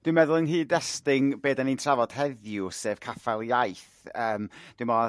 Dwi'n meddwl yn nhyd-destun be 'da ni'n drafod heddiw sef caffael iaith yym dwmbo